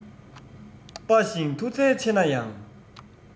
དཔའ ཞིང མཐུ རྩལ ཆེ ན ཡང